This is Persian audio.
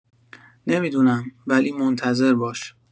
نمی‌دونم، ولی منتظر باش.